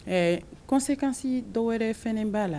Ɛɛ kɔnsekansi dɔw wɛrɛ fɛnnen b'a la